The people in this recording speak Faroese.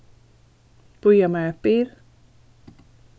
bíða mær eitt bil